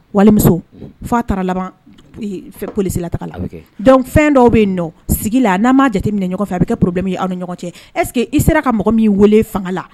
Walimuso' a taara labanolisila ta dɔnku fɛn dɔw bɛ sigi la n'a m maa jate min ni ɲɔgɔn fɛ a bɛ kɛ porobi min' aw ni ɲɔgɔn cɛ ɛseke i sera ka mɔgɔ min weele fanga la